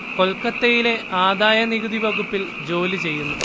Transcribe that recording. കൊൽക്കത്തയിലെ ആദായ നികുതി വകുപ്പിൽ ജോലി ചെയ്യുന്നു